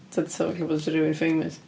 Ta, 'sa fo gallu bod yn rhywun famous?